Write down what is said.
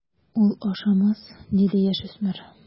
Ул ашамас, - диде яшүсмер.